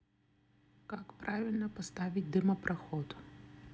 как правильно поставить дымопроход